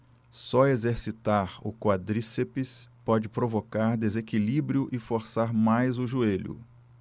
só exercitar o quadríceps pode provocar desequilíbrio e forçar mais o joelho